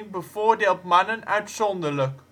bevoordeeld mannen uitzonderlijk